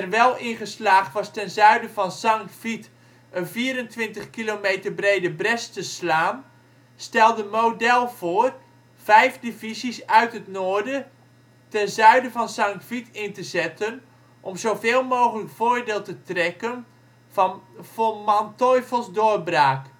wel in geslaagd was ten zuiden van Sankt Vith een vierentwintig kilometer brede bres te slaan, stelde Model voor vijf divisies uit het noorden ten zuiden van Sankt Vith in te zetten om zoveel mogelijk voordeel te trekken van von Manteuffels doorbraak